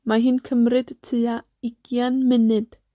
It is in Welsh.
Mae hi'n cymryd tua ugian munud,